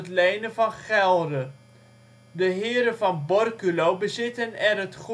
lenen van Gelre. De heren van Borculo bezitten er het